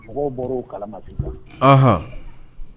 Mɔgɔw bɔra kalama